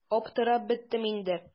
Аптырап беттем инде.